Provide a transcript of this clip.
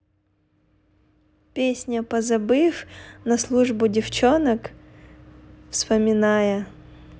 песня позабыв на службу девчонок вспоминая